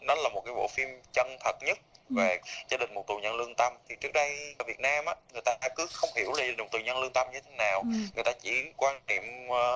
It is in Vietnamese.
nó là một cái bộ phim chân thật nhứt về gia đình một tù nhân lương tâm thì trước đây ở việt nam á người ta cứ không hiểu là một tù nhân lương tâm như thế nào người ta chỉ quan niệm à